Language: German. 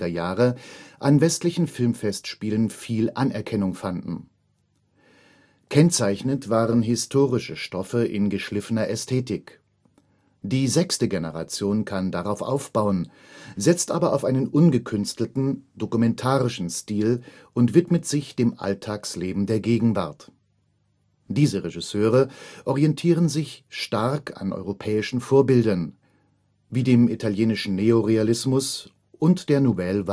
Jahre an westlichen Filmfestspielen viel Anerkennung fanden. Kennzeichnend waren historische Stoffe in geschliffener Ästhetik. Die sechste Generation kann darauf aufbauen, setzt aber auf einen ungekünstelten, dokumentarischen Stil und widmet sich dem Alltagsleben der Gegenwart. Diese Regisseure orientieren sich stark an europäischen Vorbildern wie dem italienischen Neorealismus und der Nouvelle